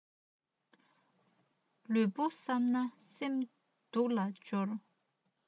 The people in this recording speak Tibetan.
ལུས པོ བསམས ན སེམས སྡུག ལ སྦྱོར